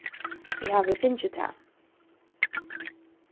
eg havi fingið tað